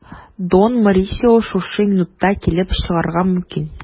Дон Морисио шушы минутта килеп чыгарга мөмкин.